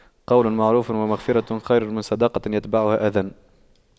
قَولٌ مَّعرُوفٌ وَمَغفِرَةُ خَيرٌ مِّن صَدَقَةٍ يَتبَعُهَا أَذًى